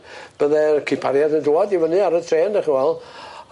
Bydde'r cipriaid yn dwad i fynny ar y trên 'dach chi wel'